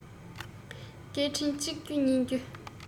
སྐད འཕྲིན གཅིག བརྒྱུད གཉིས བརྒྱུད